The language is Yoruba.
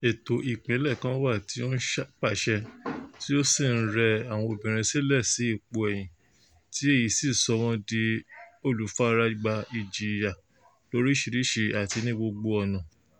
Ètò ìpìlẹ̀ kan wà tí ó ń pàṣẹ tí ó sì ń rẹ àwọn obìnrin sílẹ̀ sí ipò ẹ̀yìn tí èyí sì sọ wọ́n di olùfaragbá ìjìyà lóríṣiríṣi àti ní gbogbo ọ̀nà.